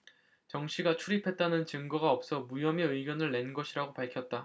정씨가 출입했다는 증거가 없어 무혐의 의견을 낸 것이라고 밝혔다